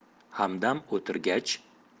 hamdam o'tirgach